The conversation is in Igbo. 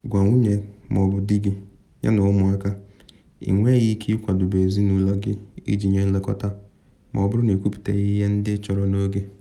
Gwa nwunye ma ọ bụ dị gị yana ụmụaka: Ị nweghị ike ịkwadobe ezinụlọ gị iji nye nlekọta ma ọ bụrụ na i kwuputeghi ihe ndị ị chọrọ n’oge.